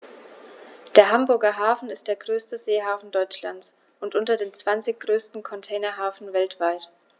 Der Hamburger Hafen ist der größte Seehafen Deutschlands und unter den zwanzig größten Containerhäfen weltweit.